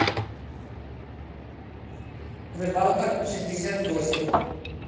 рыбалка шестьдесят восемь